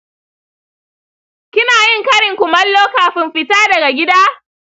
kina yin karin kumallo kafin fita daga gida?